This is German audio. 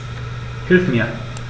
Hilf mir!